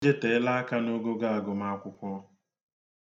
O jeteela aka n'ogogo agụmakwụkwọ